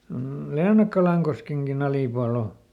mm Leenakkalankoskenkin alipuolella on